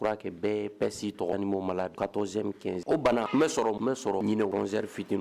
U k' bɛɛɛsitmɔgɔ ma la ka tɔnonz kɛ o ban n bɛ sɔrɔ n bɛ sɔrɔ ɲin wsanaliri fit ma